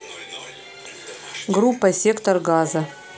группа сектор газа